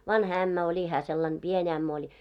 vanha ämmä oli hän sellainen pieni ämmä oli